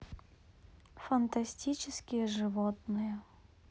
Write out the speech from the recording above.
фантастические животные